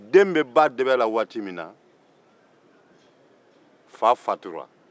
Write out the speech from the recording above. den bɛ ba dɛbɛ la waati min na fa fatura